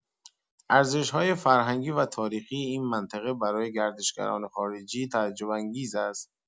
ارزش‌های فرهنگی و تاریخی این منطقه برای گردشگران خارجی تعجب‌انگیز است.